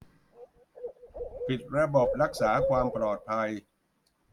ปิดระบบรักษาความปลอดภัย